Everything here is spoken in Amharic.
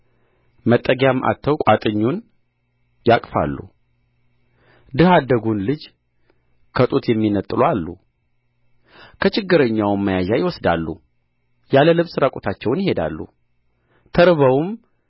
መጠጊያም አጥተው ቋጥኙን ያቅፋሉ ድሀ አደጉን ልጅ ከጡቱ የሚነጥሉ አሉ ከችግረኛውም መያዣ ይወስዳሉ ያለ ልብስ ራቁታቸውን ይሄዳሉ ተርበውም